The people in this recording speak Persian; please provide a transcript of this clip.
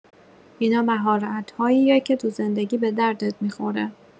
اینا مهارت‌هاییه که تو زندگی به دردت می‌خوره.